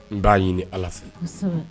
N b'a ɲini allah fɛ, bisimillah.